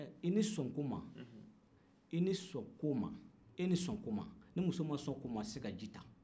i ni sɔn ko ma i ni sɔgɔma i ni sɔn ko ma ni muso ma sɔn ko a tɛ se ka ji ta